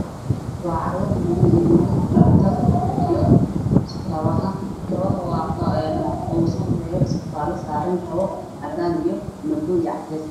Waa carwo lagu iibiyo dharka iyo kabaha